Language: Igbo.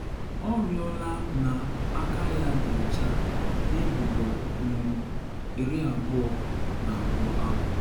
Ọ rịọla na aka ya dị ọcha n’ebubo ngụ-22 ahụ.